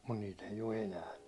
mutta niitä ei ole enää